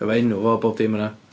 Mae enw fo a bob dim yna.